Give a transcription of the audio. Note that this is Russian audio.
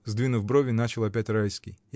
— сдвинув брови, начал опять Райский.